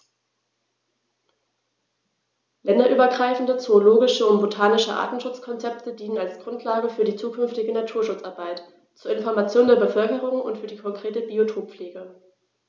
Länderübergreifende zoologische und botanische Artenschutzkonzepte dienen als Grundlage für die zukünftige Naturschutzarbeit, zur Information der Bevölkerung und für die konkrete Biotoppflege.